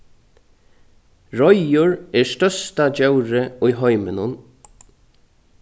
royður er størsta djórið í heiminum